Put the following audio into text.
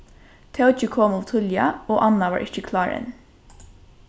tóki kom ov tíðliga og anna var ikki klár enn